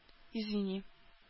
Извини